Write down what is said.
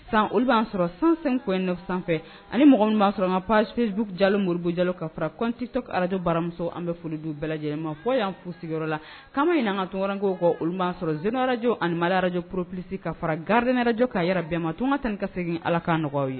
San olu b'a sɔrɔ san2 in sanfɛ ani m b'a sɔrɔma pasipereuru jalo moribu jalo ka fara cotetɔ araj baramuso an bɛ foli dun bɛɛ lajɛlenma ma fɔ y'an fu sigiyɔrɔ la kaana in na ka tɔnkɛ ko olu b'a sɔrɔ seneyɔrɔrawj anima araj poroplisisi ka fara garirdɛɛrɛjɔ kaa yɛrɛ bɛnma to ka tan ka segingin ala ka nɔgɔya ye